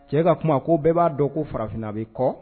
Cɛ ka kuma, ko bɛɛ b'a dɔn ko farafinna bɛ kɔ